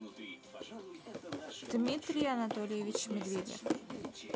дмитрий анатольевич медведев